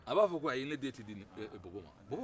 a b'a fɔ ko ayi ne den tɛ di nin ma dɛ